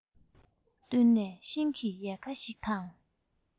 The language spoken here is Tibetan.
བསྟུན ནས ཤིང གི ཡལ ག ཞིག དང